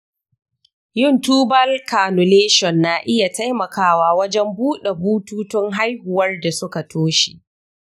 yin tubal cannulation na iya taimakawa wajen buɗe bututun haihuwar da suka toshe.